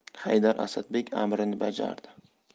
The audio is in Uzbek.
haydar asadbek amrini bajardi